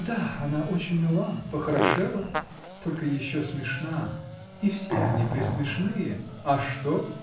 Да, она очень мила, похорошела, только еще смешна. и все они пресмешные. — А что?